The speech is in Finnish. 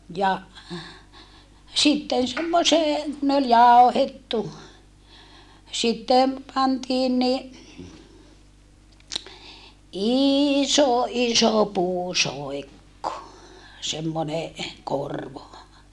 ja sitten semmoiseen ne oli jauhettu sitten pantiin niin iso iso puusoikko semmoinen korvo